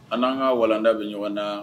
An n'an ka walanda bɛ ɲɔgɔn na